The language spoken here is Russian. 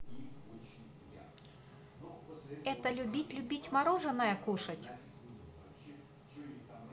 это любить любить мороженное кушать